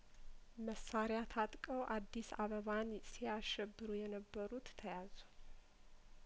መሳሪያ ታጥቀው አዲስ አበባን ሲያሸብሩ የነበሩት ተያዙ